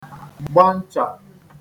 gba nchà